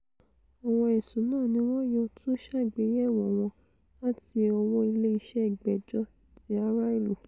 Àwọn ẹ̀sùn náà ni wọ́n yóò tún ṣàgbéyẹ̀wò wọn láti ọwọ́ Ilé Iṣẹ́ Ìgbẹ́jọ́ ti Ara Ìlú.